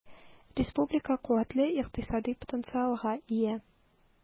Республика куәтле икътисади потенциалга ия.